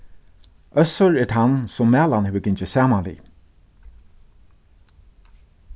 øssur er tann sum malan hevur gingið saman við